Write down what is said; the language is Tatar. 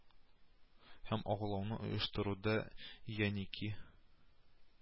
Һәм агулауны оештыруда Йәники